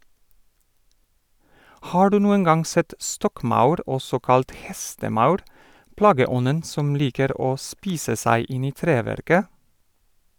Har du noen gang sett stokkmaur, også kalt hestemaur, plageånden som liker å spise seg inn i treverket?